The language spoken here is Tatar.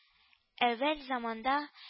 Әүвәл заманда